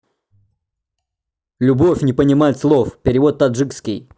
любовь не понимает слов перевод таджикский